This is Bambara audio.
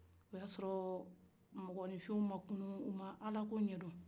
o ya sɔrɔ mɔgɔnifinw ma ala ko ɲɛ don